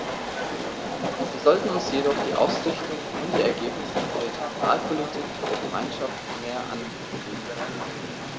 Wir sollten uns jedoch die Ausrichtung und die Ergebnisse der Regionalpolitik der Gemeinschaft mehr angelegen sein lassen.